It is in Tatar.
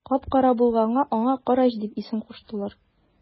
Кап-кара булганга аңа карач дип исем куштылар.